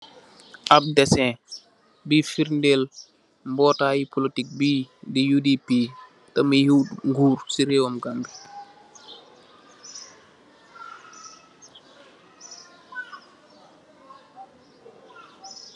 Abe design buye ferder mutaye politic be de UDP teh muye hote gurr se rewam Gambi.